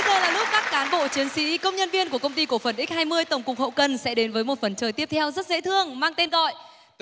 các cán bộ chiến sĩ công nhân viên của công ty cổ phần ích hai mươi tổng cục hậu cần sẽ đến với một phần chơi tiếp theo rất dễ thương mang tên gọi